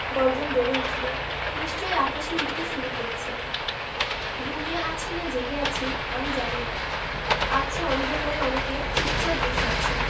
গর্জন বেড়ে উঠলো নিশ্চয়ই আকাশে উড়তে শুরু করছে ঘুমিয়ে আছি না জেগে আছি আমি জানি না আবছা অন্ধকারে অনেকে চুপচাপ বসে আছে